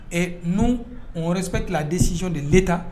Ɛɛ nous on respxte la decission de l-Etat